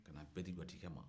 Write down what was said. kan'a bɛɛ di gwatikɛ ma